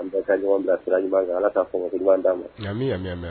An bɛɛ la ɲɔgɔn bila sira ɲuman kan Ala ka famuyali ko ɲuman dan ma